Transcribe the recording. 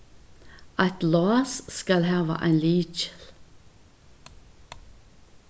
eitt lás skal hava ein lykil